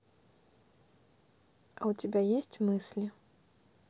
а у тебя есть мысли